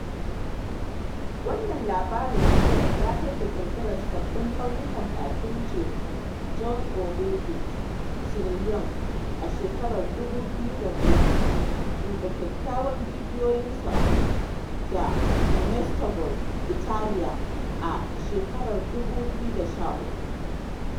Wannan labarin nasara ya kai ga ƙirƙirar sabbin ƙauyuka bakin tekun John Obey Beach, Sierra Leone a shekarar 2010 (duba kyawawan bidiyonsu a nan) da Monestevole, Italiya a 2013.